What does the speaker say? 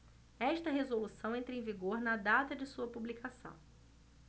esta resolução entra em vigor na data de sua publicação